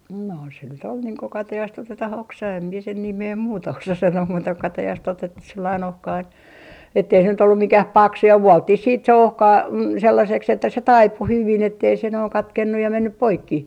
no se nyt oli niin kun katajasta otetaan oksa en minä sen nimeä muuta osa sanoa muuta kuin katajasta otettu sellainen ohkainen että ei se nyt ollut mikään paksu ja vuoltiin sitten se ohkainen sellaiseksi että se taipui hyvin että ei se noin katkennut ja mennyt poikki